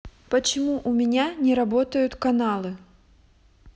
почему у меня не работают каналы